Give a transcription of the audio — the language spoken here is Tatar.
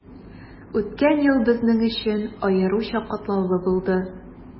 Үткән ел безнең өчен аеруча катлаулы булды.